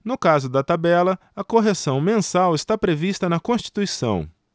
no caso da tabela a correção mensal está prevista na constituição